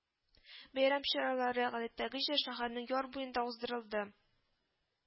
Бәйрәм чаралары, гадәттәгечә, шәһәрнең яр буенда уздырылды